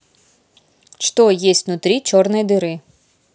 что есть внутри черной дыры